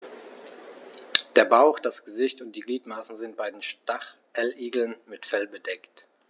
Der Bauch, das Gesicht und die Gliedmaßen sind bei den Stacheligeln mit Fell bedeckt.